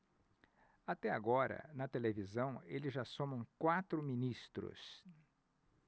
até agora na televisão eles já somam quatro ministros